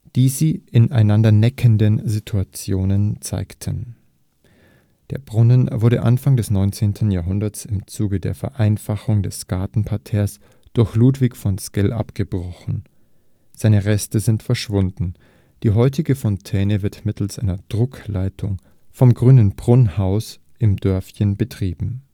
die sie in einander neckenden Situationen zeigten. Der Brunnen wurde Anfang des 19. Jahrhunderts im Zuge der Vereinfachung des Gartenparterres durch Ludwig von Sckell abgebrochen, seine Reste sind verschwunden. Die heutige Fontäne wird mittels einer Druckleitung vom Grünen Brunnhaus im Dörfchen betrieben